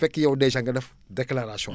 fekk yow dèjà nga def déclaration